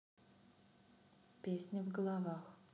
песня в головах